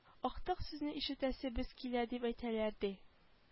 Актык сүзне ишетәсебез килә дип әйтәләр ди